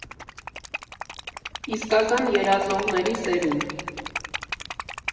Իսկական երազողների սերունդ։